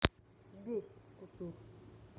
бесит кутюр